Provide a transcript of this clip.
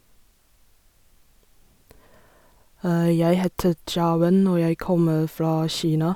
Jeg heter Jiawen, og jeg kommer fra Kina.